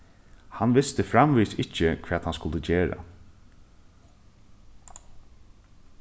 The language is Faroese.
hann visti framvegis ikki hvat hann skuldi gera